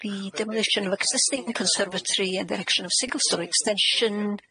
The demolition of existing conservatory and the erection of single-story extension.